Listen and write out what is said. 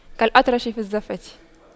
كالأطرش في الزَّفَّة